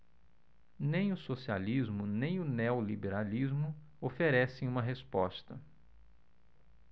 nem o socialismo nem o neoliberalismo oferecem uma resposta